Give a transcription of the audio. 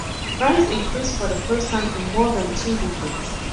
Price increased for the first time in more than two decades.